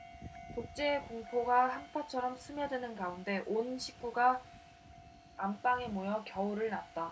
독재의 공포가 한파처럼 스며드는 가운데 온 식구가 안방에 모여 겨울을 났다